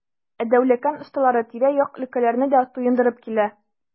Ә Дәүләкән осталары тирә-як өлкәләрне дә туендырып килә.